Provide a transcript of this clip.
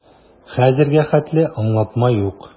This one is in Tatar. Хәзергә хәтле аңлатма юк.